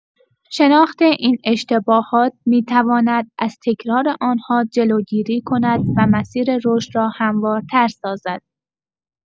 شناخت این اشتباهات می‌تواند از تکرار آن‌ها جلوگیری کند و مسیر رشد را هموارتر سازد.